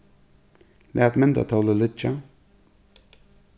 lat myndatólið liggja